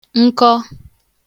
nkọ